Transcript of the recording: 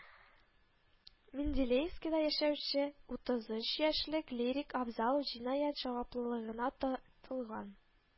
Менделеевскида яшәүче утыз өч яшьлек Лирик Абзалов җинаять җаваплылыгына тар тылган